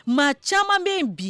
Maa caman bɛ yen bi